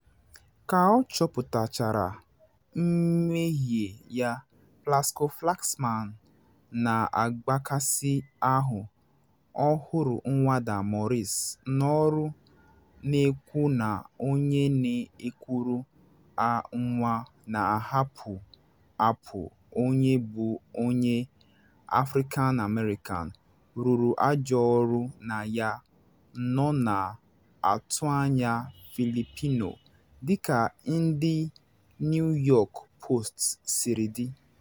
Ka ọ chọpụtachara mmehie ya, Plasco-Flaxman “na agbakasị ahụ” chụrụ Nwada Maurice n’ọrụ, na ekwu na onye na ekuru ha nwa na apụ apụ, onye bụ onye African-American, rụrụ ajọ ọrụ na ya nọ na atụ anya Filipino, dị ka ndị New York Post siri dee.